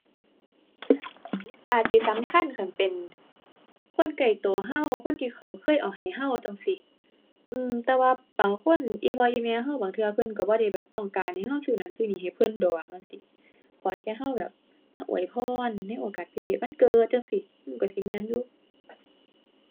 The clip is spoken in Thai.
อาจสิสำคัญคันเป็นคนใกล้ตัวตัว คนที่เขาเคยเอาให้ตัวจั่งซี้ อือ แต่ว่าบางคน อีพ่ออีแม่ตัวบางเทื่อเพิ่นตัวบ่ได้แบบต้องการให้ตัวซื้อนั่นซื้อนี่ให้เพิ่นดอกจั่งซี้ ขอแค่ตัวแบบมาอวยพรในโอกาสพิเศษ วันเกิดจั่งซี้ อือ ตัวสิแม่นอยู่